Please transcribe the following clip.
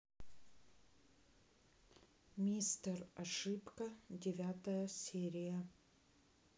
мистер ошибка девятая серия